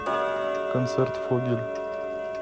концерт фогель